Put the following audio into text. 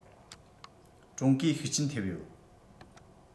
ཀྲུང གོའི ཤུགས རྐྱེན ཐེབས ཡོད